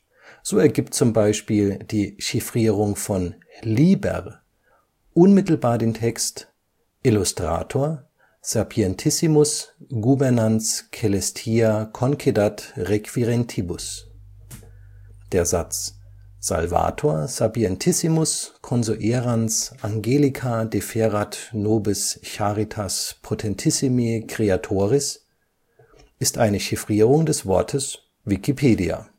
So ergibt z. B. die Chiffrierung von lieber unmittelbar den Text " Illustrator sapientissimus gubernans celestia concedat requirentibus ". Der Satz " Salvator sapientissimus conseruans angelica deferat nobis charitas potentissimi creatoris " ist eine Chiffrierung des Wortes Wikipedia